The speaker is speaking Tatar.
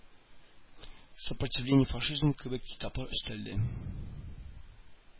Сопротивлении фашизму кебек китаплар өстәлде